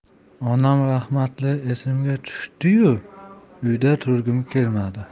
onam rahmatli esimga tushdi yu uyda turgim kelmadi